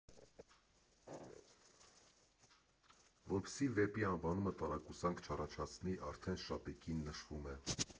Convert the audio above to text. Որպեսզի վեպի անվանումը տարակուսանք չառաջացնի, արդեն շապիկին նշվում է.